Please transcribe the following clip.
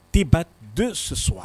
Teba don soso wa